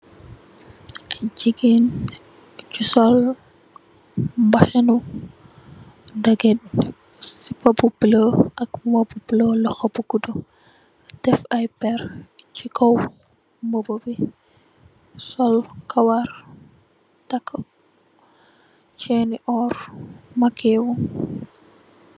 Ay jigeen yu sol mbaxana, dagit sipa bu bulo ak mboba bu bolo, loxo bu guduh. Def ay peer ci mboba bi, sol kawar, takka chain ni oor, maki wu.